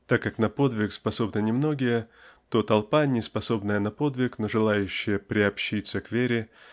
так как на подвиг способны немногие то толпа неспособная на подвиг но желающая приобщиться к вере